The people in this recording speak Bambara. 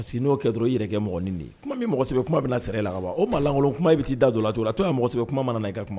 N'o kɛ dɔrɔn i yɛrɛ kɛ mɔgɔ di kuma min mɔgɔ kuma bɛ na sariya la ka bɔ o malankolon kuma b bɛ t'i da don la to la to' ye mɔgɔ makosɛbɛ kuma mana na i ka kuma